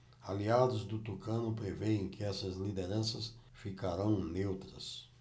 aliados do tucano prevêem que essas lideranças ficarão neutras